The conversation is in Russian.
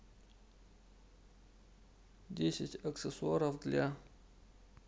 десять аксессуаров для